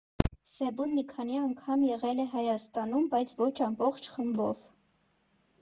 Սեբուն մի քանի անգամ եղել է Հայաստանում, բայց ոչ ամբողջ խմբով։